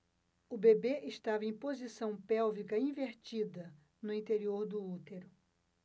o bebê estava em posição pélvica invertida no interior do útero